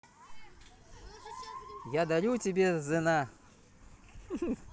я дарю тебе the на